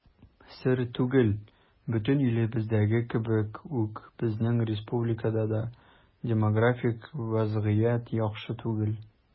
Сер түгел, бөтен илебездәге кебек үк безнең республикада да демографик вазгыять яхшы түгел.